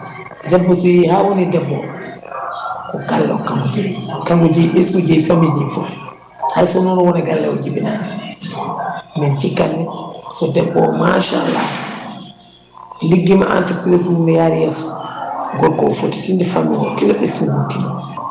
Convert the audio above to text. debbo so yeehi ha woni debbo ko galle kanko jeeyi kanko jeeyi ɓesguji e famille ji e foof hay so noon o won e galle he o jibinani min cikkanmi so debbo o machallah ligguima entreprise mum ne yaade gorko o o foti tinde famille o tinna ɓesgugu tiina